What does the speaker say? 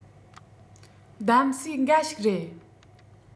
གདམས གསེས དགའ ཞིག རེད